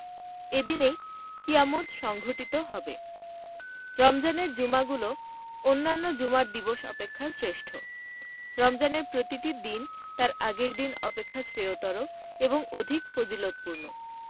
এদিনেই কিয়ামত সংঘটিত হবে রমজানের জুমাগুলো অন্যান্য জুমার দিবস অপেক্ষা শ্রেষ্ঠ রমজানের প্রতিটি দিন তার আগের দিন অপেক্ষা শ্রেয়তর এবং অধিক ফজিলতপূর্ণ